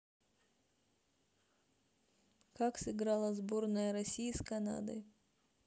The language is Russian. как сыграла сборная россии с канадой